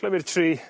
clymu'r tri